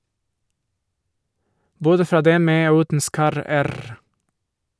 Både fra dem med og uten skarre-r.